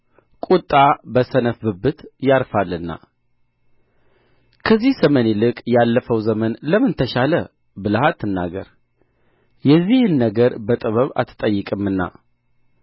ቍጣ በሰነፍ ብብት ያርፋልና ከዚህ ዘመን ይልቅ ያለፈው ዘመን ለምን ተሻለ ብለህ አትናገር የዚህን ነገር በጥበብ አትጠይቅምና